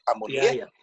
am wn i. Ia ia.